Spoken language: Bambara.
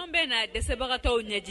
Anw bɛ na dɛsɛbagatɔw ɲɛji